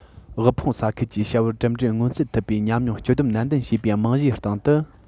དབུལ ཕོངས ས ཁུལ གྱིས བྱ བར གྲུབ འབྲས མངོན གསལ ཐུབ པའི ཉམས མྱོང སྤྱི བསྡོམས ནན ཏན བྱས པའི རྨང གཞིའི སྟེང དུ